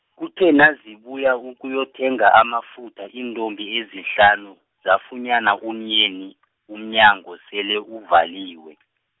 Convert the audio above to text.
kuthe nazibuya ukuyokuthenga amafutha iintombi ezihlanu, zafunyana umyeni, umnyango, sele uvaliwe.